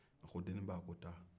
deniba taa